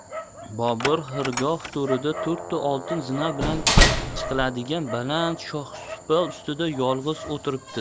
bobur xirgoh to'rida to'rtta oltin zina bilan chiqiladigan baland shohsupa ustida yolg'iz o'ltiribdi